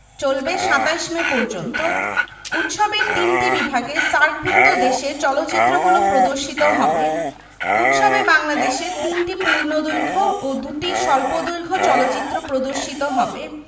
চলবে ২৭ মে পর্যন্ত উৎসবের তিনটি বিভাগে সার্কভুক্ত দেশের চলচ্চিত্রগুলো প্রদর্শিত হবে উৎসবে বাংলাদেশের ৩টি পূর্ণদৈর্ঘ্য ও ২টি স্বল্পদৈর্ঘ্য চলচ্চিত্র প্রদর্শিত হবে